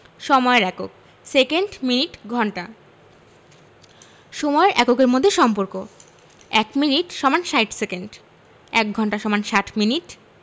সময়ের এককঃ second minute ঘন্টা সময়ের এককের মধ্যে সম্পর্কঃ ১ মিনিট = ৬০ সেকেন্ড ১ঘন্টা = ৬০ মিনিট